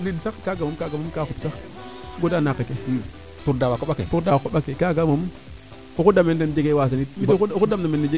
kaga moom kaaga kaa xup sax mbola naaqa ke pour daawa qoɓake kaaga moom oxu dameena teen jegee wasanit o=xu dam na mene